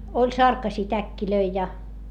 oli sarkaisia täkkejä ja